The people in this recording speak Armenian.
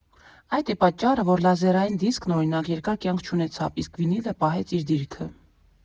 Այդ է պատճառը, որ լազերային դիսկն, օրինակ, երկար կյանք չունեցավ, իսկ վինիլը պահեց իր դիրքը.